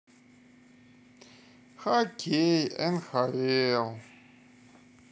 хоккей нхл